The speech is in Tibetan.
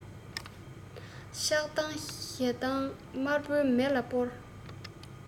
ཆགས སྡང ཞེ སྡང དམར པོའི མེ ལ སྤོར